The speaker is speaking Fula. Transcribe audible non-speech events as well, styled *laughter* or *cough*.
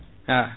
*hesitation* *hesitation*